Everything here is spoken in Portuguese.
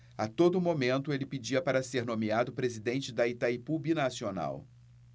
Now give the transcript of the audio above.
a todo momento ele pedia para ser nomeado presidente de itaipu binacional